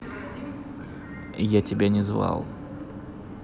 я тебя не звал